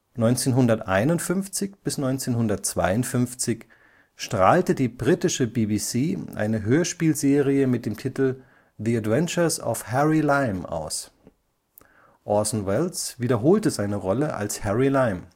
1951 – 1952 strahlte die britische BBC eine Hörspielserie mit dem Titel The Adventures of Harry Lime aus. Orson Welles wiederholte seine Rolle als Harry Lime